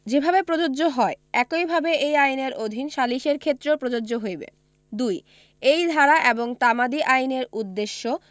যেভাবে প্রযোগ্য হয় একইভাবে এই আইনের অধীন সালিসের ক্ষেত্রেও প্রযোজ্য হইবে ২ এই ধারা এবং তামাদি আইনের উদ্দেশ্য